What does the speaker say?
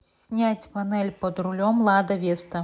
снять панель под рулем лада веста